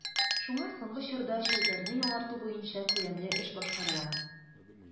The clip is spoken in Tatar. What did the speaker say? Шуңа соңгы чорда челтәрне яңарту буенча күләмле эш башкарыла.